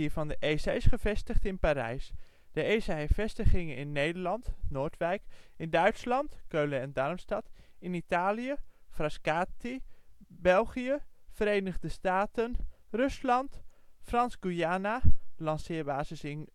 van de ESA is gevestigd in Parijs. De ESA heeft vestigingen in Nederland (Noordwijk), Duitsland (Keulen en Darmstadt), Italië (Frascati), België, Verenigde Staten, Rusland, Frans-Guyana (lanceerbasis in